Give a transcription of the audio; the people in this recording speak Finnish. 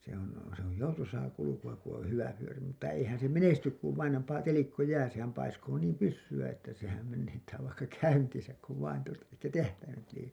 se on se on joutuisaa kulkua kun on hyvä vyöri mutta eihän se menesty kun vain on paha telikköjää sehän paiskoo niin pyssyä että sehän menettää vaikka käyntinsä kun vain tuota että tähtäimet liikkuvat